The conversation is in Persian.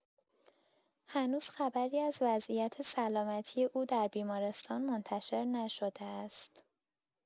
هنوز خبری از وضعیت سلامتی او در بیمارستان منتشر نشده است.